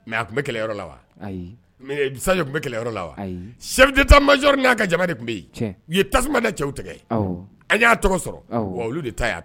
Mɛ tun bɛ kɛlɛyɔrɔ la wa tun bɛ kɛlɛyɔrɔ la wa sɛ tan mayri n'a ka de tun bɛ u ye tasuma cɛw tigɛ an y'a tɔgɔ sɔrɔ wa olu de tɛ ta